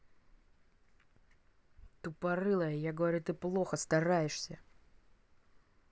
тупорылая я говорю ты плохо стараешься